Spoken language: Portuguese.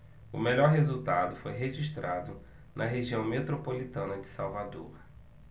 o melhor resultado foi registrado na região metropolitana de salvador